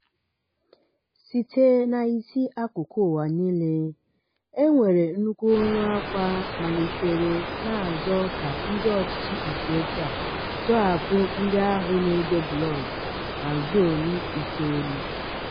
Site n'isi akụkụ ụwa niile, e nwere nnukwu olu ákwá malitere na-azọ ka ndị ọchịchị Ethiopia tọghapụ ndị ahụ na-ede blọọgụ na Zone9.